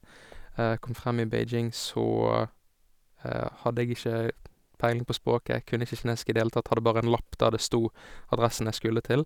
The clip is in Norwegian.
Kom frem i Beijing, så hadde jeg ikke peiling på språket, kunne ikke kinesisk i det hele tatt, hadde bare en lapp der det stod adressen jeg skulle til.